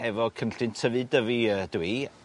...hefo cynllun tyfu Dyfi ydw i.